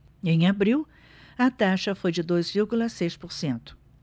em abril a taxa foi de dois vírgula seis por cento